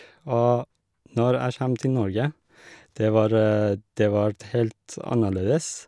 Og når jeg kjem til Norge, det var det vart helt annerledes.